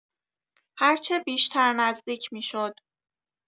هرچه بیشتر نزدیک می‌شد.